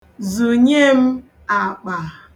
Zụnye m akpa.